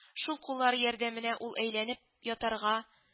Шул куллары ярдәмендә ул әйләнеп ятарга